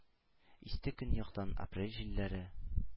Исте көньяктан апрель җилләре,